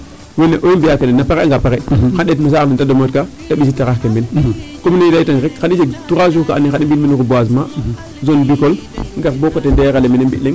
Mais foogaam e owey mbi'aa kene a pare'anga pare pare xana ɗeet saax le ne da deme'oorka te ɓisiid taxar ke meen comme ne i laytuuna rek xan i njeg trois jours kaa andoona ye xan i mbi'iid meen reboisement zone Bicole gar bo coté ndeera mene.